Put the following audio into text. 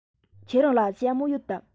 ཁྱོད རང ལ ཞྭ མོ ཡོད དམ